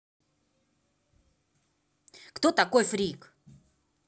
кто такой фрик